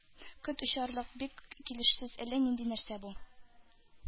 Кот очарлык, бик килешсез, әллә нинди нәрсә бу!